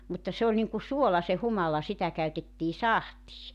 mutta se oli niin kuin suola se humala sitä käytettiin sahtiin